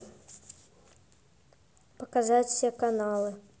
показать все каналы